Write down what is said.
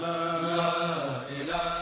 Maa ilaah